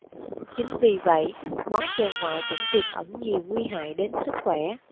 chính vì vậy món chè ngoại cũng tiềm ẩn nhiều nguy hại đến sức khỏe